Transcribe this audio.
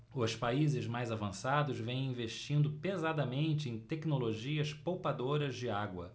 os países mais avançados vêm investindo pesadamente em tecnologias poupadoras de água